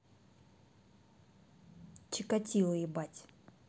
чикатило ебать